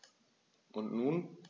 Und nun?